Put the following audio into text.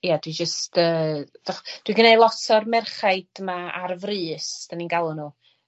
ia dwi jyst yy doch- dwi gneud lot o'r merchaid 'ma ar frys 'dyn i'n galwn nw.